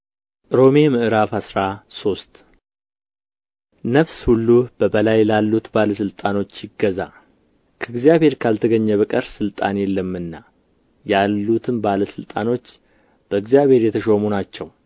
ሮሜ ምዕራፍ አስራ ሶስት ነፍስ ሁሉ በበላይ ላሉት ባለ ሥልጣኖች ይገዛ ከእግዚአብሔር ካልተገኘ በቀር ሥልጣን የለምና ያሉትም ባለ ሥልጣኖች በእግዚአብሔር የተሾሙ ናቸው